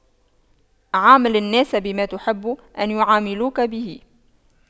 عامل الناس بما تحب أن يعاملوك به